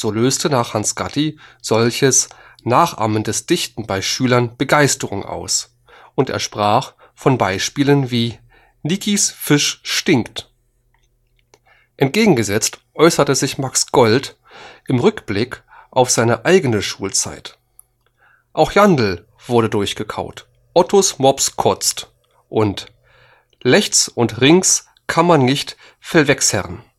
löste nach Hans Gatti ein solches nachahmendes Dichten bei Schülern „ Begeisterung “aus, und er sprach von Beispielen wie „ nikis fisch stinkt “. Entgegengesetzt äußerte sich Max Goldt im Rückblick auf seine eigene Schulzeit: „ Auch Jandl wurde durchgekaut: ottos mops kotzt und lechts und rinks kann man nicht velwechsern